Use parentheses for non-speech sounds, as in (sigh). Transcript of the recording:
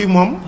(hesitation) (hesitation)